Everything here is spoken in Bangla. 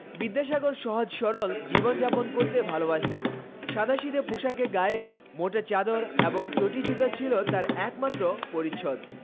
বিদ্যাসাগর সহজ সরল জীবন যাপন করতে ভালোবাসতেন সাদাসিধে পোশাকে গায়ের মোটা চাদর এবং চটি জুতা ছিল তার একমাত্র পরিচ্ছদ